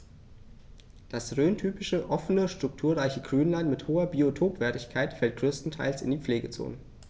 Das rhöntypische offene, strukturreiche Grünland mit hoher Biotopwertigkeit fällt größtenteils in die Pflegezone.